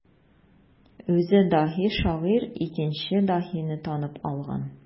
Үзе даһи шагыйрь икенче даһине танып алган.